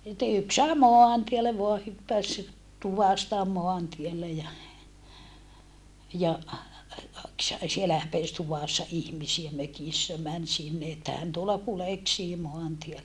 sitten yksi sai maantielle vain hyppäsi tuvasta maantielle ja ja siellä häpesi tuvassa ihmisiä mökissä meni sinne että hän tuolla kuljeksii maantiellä